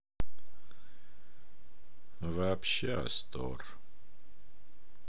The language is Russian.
вообще астор